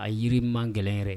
A jiri man gɛlɛn yɛrɛ